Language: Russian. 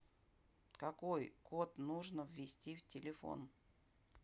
какой код нужно ввести в телефон